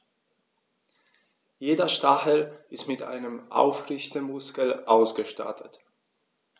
Jeder Stachel ist mit einem Aufrichtemuskel ausgestattet.